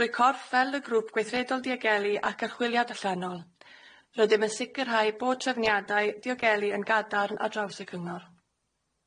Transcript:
Drwy corff fel y grŵp gweithredol diogelu ac archwiliad allanol, rydym yn sicrhau bod trefniadau diogelu yn gadarn ar draws y cyngor.